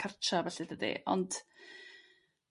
cartra felly dydi? Ond